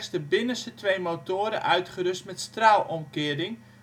de binnenste twee motoren uitgerust zijn met straalomkering